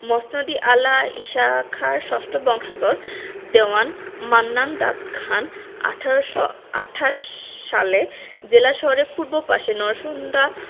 মসনদ ই আলা ঈশাখার ষষ্ঠ বংশধর দেওয়ান মান্নান দাদ খান ১৮২৮ সালে জেলা শহরের পূর্ব পাশে নরসুন্দা